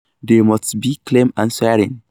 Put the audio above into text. They must be calm and serene."